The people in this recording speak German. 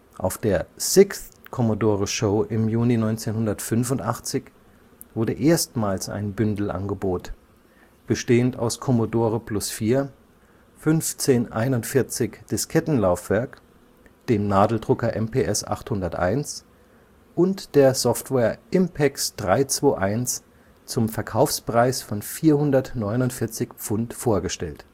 Auf der 6th Commodore Show im Juni 1985 wurde erstmals ein Bündelangebot, bestehend aus Commodore Plus/4, 1541-Diskettenlaufwerk, dem Nadeldrucker MPS 801 und der Software Impex 3-2-1, zum Verkaufspreis von 449 £ vorgestellt